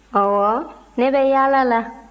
ɔwɔ ne bɛ yaala la